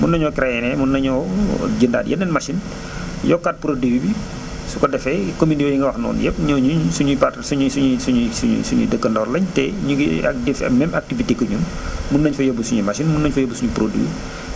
mën na ñoo créer ne mën na ñoo jëndaat yeneen machines yokkaat produit bi su ko defee communes yooyu nga wax noonu yëpp ñooñu suñuy part suñuy suñuy suñuy suñuy suñuy dëkkandoor lañ te ñu ngi ak def même activité que ñun mën nañ fee yóbbu suñuy machines mën nañ fa yóbbu suñuy produits